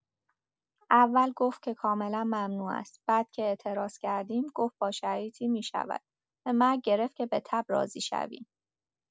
اول گفت کاملا ممنوع است، بعد که اعتراض کردیم، گفت با شرایطی می‌شود؛ به مرگ گرفت که به تب راضی شویم!